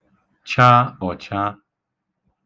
cha ọchā